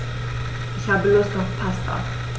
Ich habe Lust auf Pasta.